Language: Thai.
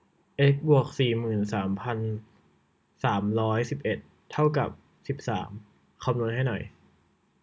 เอ็กซ์บวกสี่หมื่นสามพันสามร้อยสิบเอ็ดเท่ากับสิบสามคำนวณให้หน่อย